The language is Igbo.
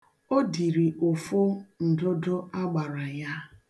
O diri ụfụ ǹdụdụ a agbara ya.